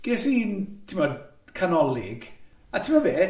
Ges i'n, timod, canolig, a timod be?